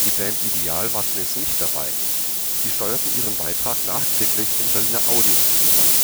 Band Ideal war zunächst nicht dabei – sie steuerten ihren Beitrag nachträglich im Berliner Audio-Studio bei